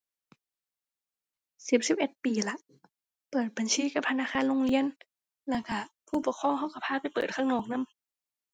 สิบ สิบเอ็ดปีล่ะ เปิดบัญชีกับธนาคารโรงเรียน แล้วก็ผู้ปกครองก็ก็พาไปเปิดข้างนอกนำ